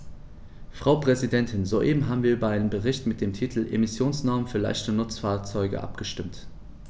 Frau Präsidentin, soeben haben wir über einen Bericht mit dem Titel "Emissionsnormen für leichte Nutzfahrzeuge" abgestimmt.